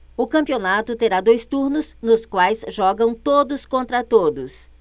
o campeonato terá dois turnos nos quais jogam todos contra todos